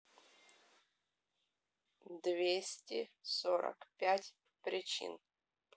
двести сорок пять причин